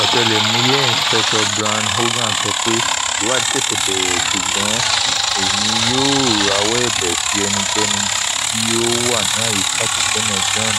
Ọ̀tẹlẹ̀múyẹ́ Inspector̀ Brian O'Hagan sọ pé: 'Ìwáàdí ṣèṣẹ bẹ̀rẹ̀ ṣùgbọ́n Èmi yóò rawọ́ ẹ̀bẹ̀ sí ẹnikẹ́ni tí ó wà ní àyíká Òpópónà John